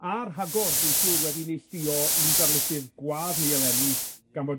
a rhagor, dwi'n siŵr, wedi neilltuo i'n darlithydd gwadd ni eleni, gan bod...